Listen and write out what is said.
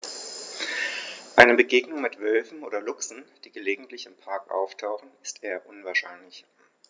Eine Begegnung mit Wölfen oder Luchsen, die gelegentlich im Park auftauchen, ist eher unwahrscheinlich.